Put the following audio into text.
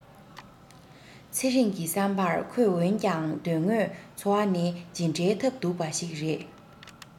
ཚེ རིང གི བསམ པར ཁོས འོན ཀྱང དོན དངོས འཚོ བ ནི ཇི འདྲའི ཐབས སྡུག པ ཞིག རེད